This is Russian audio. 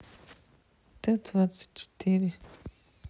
т двадцать четыре